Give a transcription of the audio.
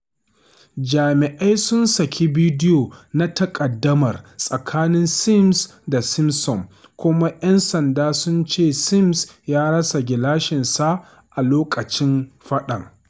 Jami’ai sun saki bidiyo na taƙardamar tsakanin Sims da Simpson, kuma ‘yan sanda sun ce Sims ya rasa gilashinsa a loƙacin faɗan.